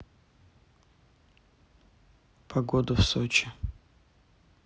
погода в сочи